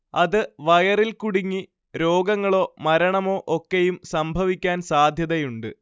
അത് വയറിൽ കുടുങ്ങി രോഗങ്ങളോ മരണമോ ഒക്കെയും സംഭവിക്കാൻ സാധ്യതയുണ്ട്